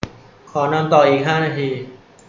ขอนอนต่ออีกห้านาที